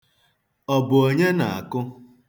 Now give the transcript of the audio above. Ọ bụ onye na-akụ?